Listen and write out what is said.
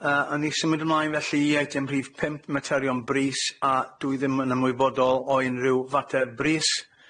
Yy 'awn ni symud ymlaen felly i eitem rhif pump, materion brys. A dwi ddim yn ymwybodol o unryw fater brys.